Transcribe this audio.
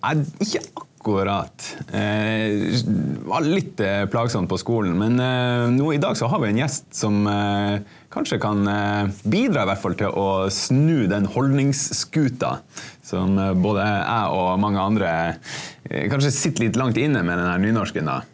nei ikke akkurat var litt plagsomt på skolen men nå i dag så har vi en gjest som kanskje kan bidra i hvert fall til å snu den holdningsskuta som både jeg og mange andre kanskje sitter litt langt inne med den her nynorsken da.